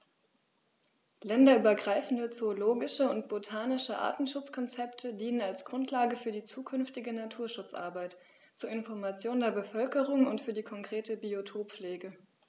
Länderübergreifende zoologische und botanische Artenschutzkonzepte dienen als Grundlage für die zukünftige Naturschutzarbeit, zur Information der Bevölkerung und für die konkrete Biotoppflege.